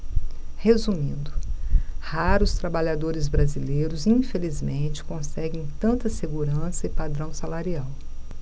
resumindo raros trabalhadores brasileiros infelizmente conseguem tanta segurança e padrão salarial